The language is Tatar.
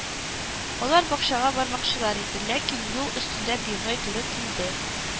Алар бакчага бармакчылар иде, ләкин юл өстендә пивной туры килде